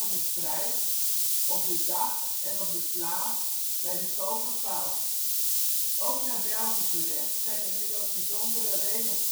de prijs op de dag en op de plaats bij de koop bepaald. Ook naar Belgisch recht zijn inmiddels bijzondere regels